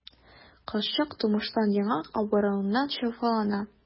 Кызчык тумыштан яңак авыруыннан җәфалана.